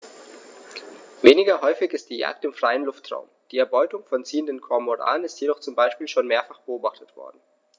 Weniger häufig ist die Jagd im freien Luftraum; die Erbeutung von ziehenden Kormoranen ist jedoch zum Beispiel schon mehrfach beobachtet worden.